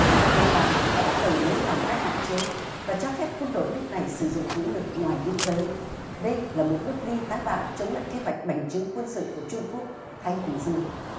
nhật bản đã bắt đầu nới lỏng các hạn chế và cho phép quân đội nước này sử dụng vũ lực ngoài biên giới đây là một bước đi táo bạo chống lại kế hoạch bành trướng quân sự của trung quốc thái bình dương